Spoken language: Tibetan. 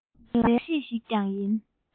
མཛངས པའི ལག རྗེས ཤིག ཀྱང ཡིན